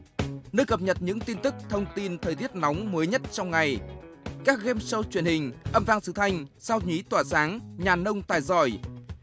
nữ cập nhật những tin tức thông tin thời tiết nóng mới nhất trong ngày các gêm sâu truyền hình âm vang xứ thanh sau nhí tỏa sáng nhà nông tài giỏi